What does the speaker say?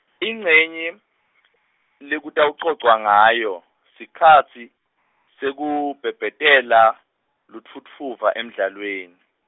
incenye , lekutawucocwa ngayo, sikhatsi, sekubhebhetela, lutfutfuva emdlalweni.